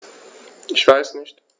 Ich weiß nicht.